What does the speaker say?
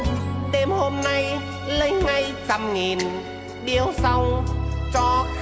đêm hôm nay lấy ngay trăm nghìn biếu xong cho